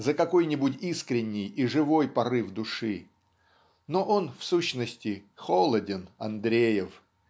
за какой-нибудь искренний и живой порыв души. Но он в сущности холоден Андреев